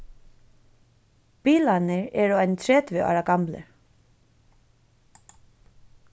bilarnir eru eini tretivu ára gamlir